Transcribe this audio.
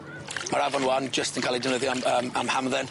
Ma'r afon ŵan jyst yn ca'l ei defnyddio am yym am hamdden.